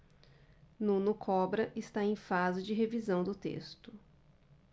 nuno cobra está em fase de revisão do texto